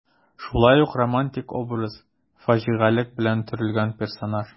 Шулай ук романтик образ, фаҗигалек белән төрелгән персонаж.